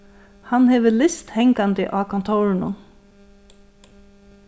hann hevur list hangandi á kontórinum